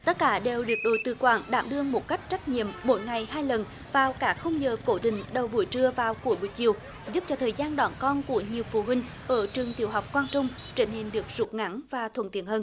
tất cả đều được đội tự quản đảm đương một cách trách nhiệm mỗi ngày hai lần vào các khung giờ cố định đầu buổi trưa và cuối buổi chiều giúp cho thời gian đón con của nhiều phụ huynh ở trường tiểu học quang trung trở nên được rút ngắn và thuận tiện hơn